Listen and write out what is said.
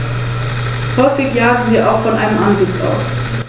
Insgesamt sind dies knapp 10 % der Fläche des Biosphärenreservates.